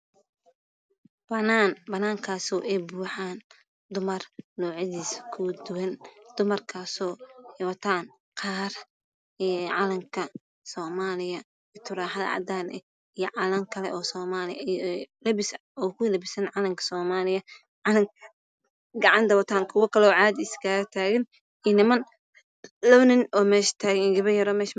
Meshan waa banan bananka oo ay buxan dumar nocyadoda kala duwan dumarkaso ay watan qaar calanka somaliya turaxad cadan eh iyo calan kle o somali eh oo ku labisan calanka somaliya calanka gacanta ku watan kuwo kale oo cadi iskaga tagan iyo niman labo nin o mesha tagan gabar yar o mesha fadhisa